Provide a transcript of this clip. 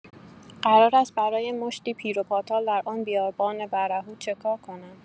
قرار است برای مشتی پیر و پاتال در آن بیابان برهوت چکار کنند